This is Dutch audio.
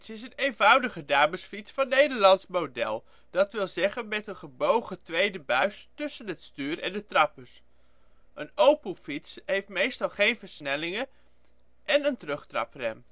een eenvoudige damesfiets van Nederlands model, dat wil zeggen met een gebogen tweede buis tussen het stuur en de trappers. Een opoefiets heeft meestal geen versnellingen en een terugtraprem